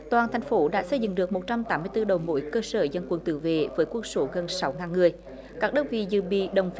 toàn thành phố đã xây dựng được một trăm tám mươi tư đầu mối cơ sở dân quân tự vệ với cuộc sổ gần sáu ngàn người các đơn vị dự bị động